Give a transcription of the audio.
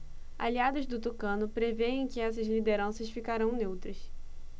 aliados do tucano prevêem que essas lideranças ficarão neutras